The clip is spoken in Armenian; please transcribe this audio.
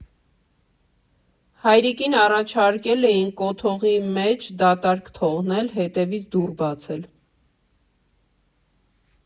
Հայրիկին առաջարկել էին կոթողի մեջ դատարկ թողնել, հետևից դուռ բացել։